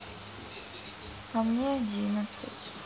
а мне одиннадцать